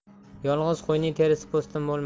yolg'iz qo'yning terisi po'stin bo'lmas